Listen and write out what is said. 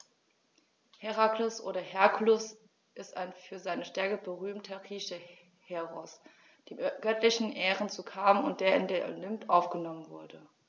Herakles oder Herkules ist ein für seine Stärke berühmter griechischer Heros, dem göttliche Ehren zukamen und der in den Olymp aufgenommen wurde.